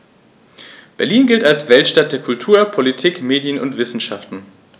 Berlin gilt als Weltstadt der Kultur, Politik, Medien und Wissenschaften.